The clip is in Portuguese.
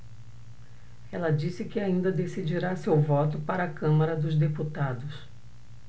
ela disse que ainda decidirá seu voto para a câmara dos deputados